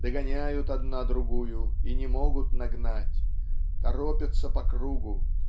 догоняют одна другую и не могут нагнать торопятся по кругу